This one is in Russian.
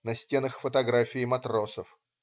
На стенах фотографии матросов.